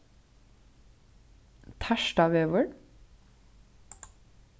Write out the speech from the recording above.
tartavegur